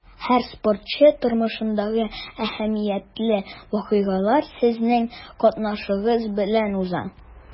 Һәр спортчы тормышындагы әһәмиятле вакыйгалар сезнең катнашыгыз белән уза.